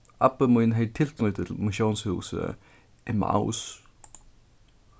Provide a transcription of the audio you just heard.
abbi mín hevði tilknýti til missiónshúsið emmaus